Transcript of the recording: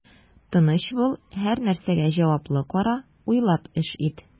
Тыныч бул, һәрнәрсәгә җаваплы кара, уйлап эш ит.